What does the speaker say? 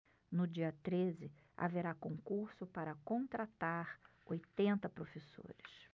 no dia treze haverá concurso para contratar oitenta professores